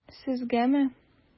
Сезгәме?